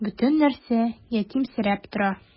Бөтен нәрсә ятимсерәп тора.